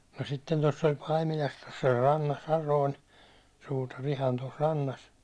no sitten tuossa oli Paimilassa tuossa oli rannassa ja noin suutari ihan tuossa rannassa